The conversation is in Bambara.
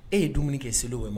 E ye dumuni kɛ seli o ma